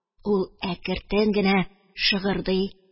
Ул әкертен генә шыгырдый.